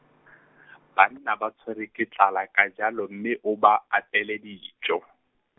banna ba tshwerwa ke tlala ka jalo mme o ba apeela dijo.